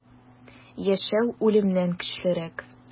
Яшәү үлемнән көчлерәк.